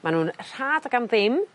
Ma' nw'n rhad ag am ddim.